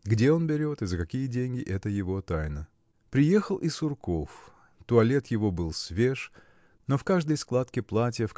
Где он берет и за какие деньги – это его тайна. Приехал и Сурков. Туалет его был свеж но в каждой складке платья